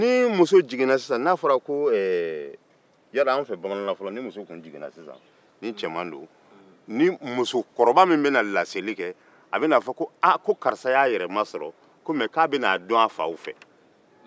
ni muso y'a yɛrɛ sɔrɔ sisan ni den kɛra cɛ ye muskɔrɔba min bɛna laseli kɛ o b'a fɔ ko karisa y'a yɛrɛ sɔrɔ mɛ den bɛna a dun faw fɛ